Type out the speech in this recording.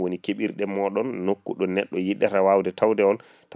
eyyi donc non hankkandi ɓeya wona hen ƴettate ɗum tan baɗa hen ko ɓurti